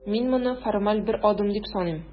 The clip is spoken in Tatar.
Мин моны формаль бер адым дип саныйм.